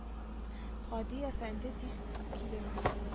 Һади әфәнде тиз килерме икән